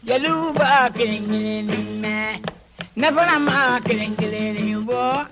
Jeliw b'a 1 1 ni mɛn ne fana ba 1 1 ni fɔ.